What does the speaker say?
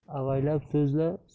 avaylab so'zla so'zingni